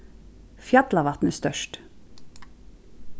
fjallavatn er stórt